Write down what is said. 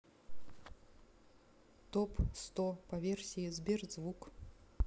топ сто по версии сберзвук